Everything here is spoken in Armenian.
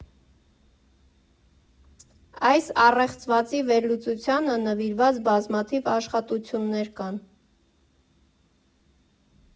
Այս առեղծվածի վերլուծությանը նվիրված բազմաթիվ աշխատություններ կան։